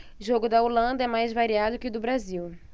jogo da holanda é mais variado que o do brasil